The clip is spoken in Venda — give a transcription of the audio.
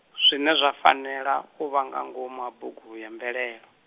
zwine zwa fanela, u vha nga ngoma ha bugu ya mvelelo.